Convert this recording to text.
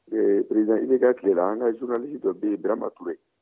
ee peresidan ibk tile la an ka jurunalisiti dɔ bɛ yen daramani ture